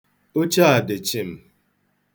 Oche a dị chịm.